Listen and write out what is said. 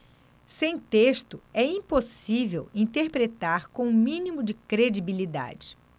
sem texto é impossível interpretar com o mínimo de credibilidade